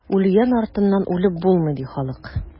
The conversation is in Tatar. Үлгән артыннан үлеп булмый, ди халык.